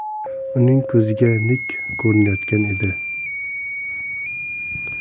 uning ko'ziga nig ko'rinayotgan edi